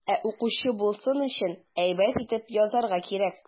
Ә укучы булсын өчен, әйбәт итеп язарга кирәк.